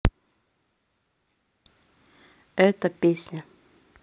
эта песня